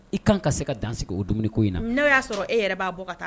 I ka kan ka se ka dan sigi o dumuni ko in na n'o y'a sɔrɔ e yɛrɛ b'a bɔ ka taa